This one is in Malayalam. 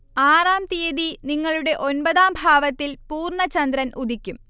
ആറാം തീയതി നിങ്ങളുടെ ഒൻപതാം ഭാവത്തിൽ പൂർണ്ണ ചന്ദ്രൻ ഉദിക്കും